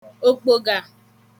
òkpògà